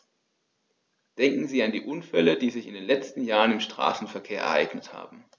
Denken Sie an die Unfälle, die sich in den letzten Jahren im Straßenverkehr ereignet haben.